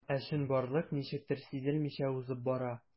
Ә чынбарлык ничектер сизелмичә узып бара.